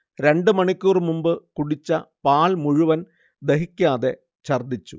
രണ്ടു മണിക്കൂർ മുമ്പ് കുടിച്ച പാൽ മുഴുവൻ ദഹിക്കാതെ ഛർദ്ദിച്ചു